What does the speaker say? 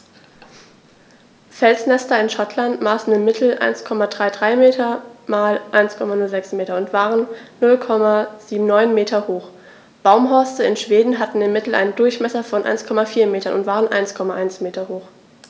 Felsnester in Schottland maßen im Mittel 1,33 m x 1,06 m und waren 0,79 m hoch, Baumhorste in Schweden hatten im Mittel einen Durchmesser von 1,4 m und waren 1,1 m hoch.